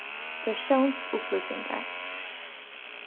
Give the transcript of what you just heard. persónsupplýsingar